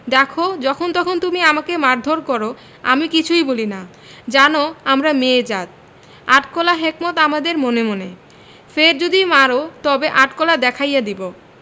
দেখ যখন তখন তুমি আমাকে মারধর কর আমি কিছুই বলি না জান আমরা মেয়ে জাত আট কলা হেকমত আমাদের মনে মনে ফের যদি মার তবে আট কলা দেখাইয়া দিব